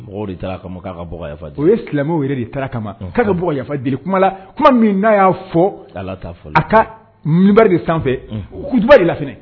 De taara k'a ka bɔ o ye silamɛw yɛrɛ de taara kama k'a ka bɲa di kumala kuma min n'a y'a fɔ fɔ a ka minibari de sanfɛ kutuba de lainɛ